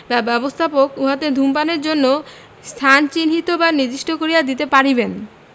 বা ব্যবস্থাপক উহাতে ধূমপানের জন্য স্থান চিহ্নিত বা নির্দিষ্ট করিয়া দিতে পারিবেন